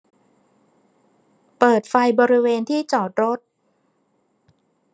เปิดไฟบริเวณที่จอดรถ